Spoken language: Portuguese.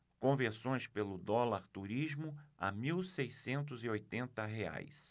conversões pelo dólar turismo a mil seiscentos e oitenta reais